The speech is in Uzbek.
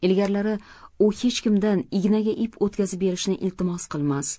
ilgarilari u hech kimdan ignaga ip o'tkazib berishni iltimos qilmas